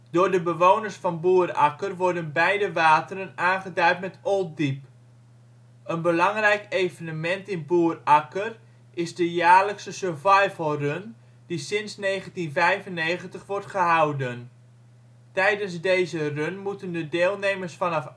Door de bewoners van Boerakker worden beide wateren aangeduid met Old Diep. Een belangrijk evenement in Boerakker is de jaarlijkse survivalrun die sinds 1995 wordt gehouden. Tijdens deze run moeten de deelnemers vanaf